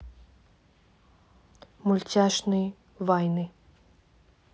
мультяшные вайны